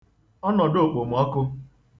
ọnọ̀dụòkpòmọkụ